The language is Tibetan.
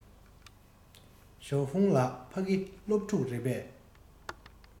ཞའོ ཧྥུང ལགས ཕ གི སློབ ཕྲུག རེད པས